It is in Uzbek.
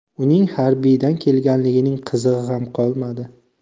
uning harbiydan kelganligining qizig'i ham qolmadi